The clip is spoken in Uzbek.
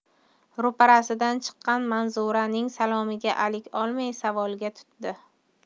ro'parasidan chiqqan manzuraning salomiga alik olmay savolga tutdi